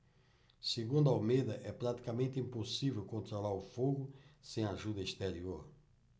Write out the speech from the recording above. segundo almeida é praticamente impossível controlar o fogo sem ajuda exterior